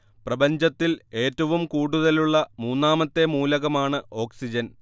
പ്രപഞ്ചത്തിൽ ഏറ്റവും കൂടുതലുള്ള മൂന്നാമത്തെ മൂലകമാണ് ഓക്സിജൻ